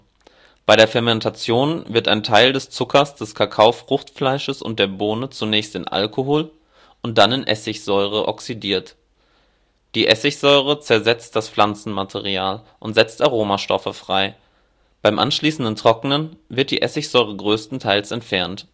Bei der Fermentation wird ein Teil des Zuckers des Kakaofruchtfleisches und der Bohne zunächst zu Alkohol und dann zu Essigsäure oxidiert. Die Essigsäure zersetzt das Pflanzenmaterial und setzt Aromastoffe frei. Beim anschließenden Trocknen wird die Essigsäure größtenteils entfernt